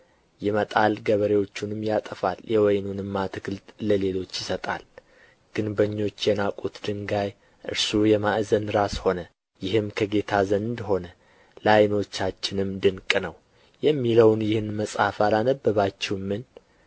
ይመጣል ገበሬዎቹንም ያጠፋል የወይኑንም አትክልት ለሌሎች ይሰጣል ግንበኞች የናቁት ድንጋይ እርሱ የማዕዘን ራስ ሆነ ይህም ከጌታ ዘንድ ሆነ ለዓይኖቻችንም ድንቅ ነው የሚለውን ይህን መጽሐፍ አላነበባችሁምን